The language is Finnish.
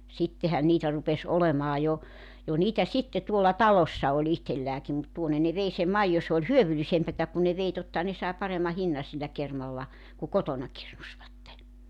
sittenhän niitä rupesi olemaan jo ja niitä sitten tuolla talossa oli itselläänkin mutta tuonne ne vei sen maidon se oli hyödyllisempää kun ne vei tottahan ne sai paremman hinnan sillä kermalla kun kotona kirnusivat